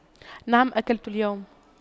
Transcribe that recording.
نعم أكلت اليوم